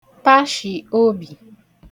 tashì obì